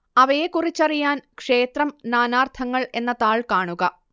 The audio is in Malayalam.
അവയെക്കുറിച്ചറിയാൻ ക്ഷേത്രം നാനാർത്ഥങ്ങൾ എന്ന താൾ കാണുക